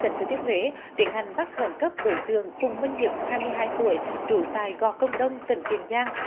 tỉnh thừa thiên huế tiến hành bắt khẩn cấp đối tượng phùng minh nhật hai mươi hai tuổi trú tại gò công đông tỉnh tiền giang